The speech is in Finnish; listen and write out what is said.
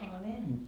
olen